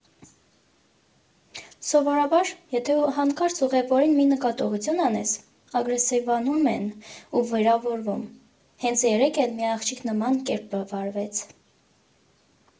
Սովորաբար, եթե հանկարծ ուղևորին մի նկատողություն անես, ագրեսիվանում են ու վիրավորում, հենց երեկ էլ մի աղջիկ նման կերպ վարվեց։